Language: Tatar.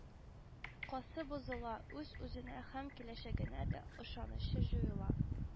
Касы бозыла, үз-үзенә һәм киләчәгенә дә ышанычы җуела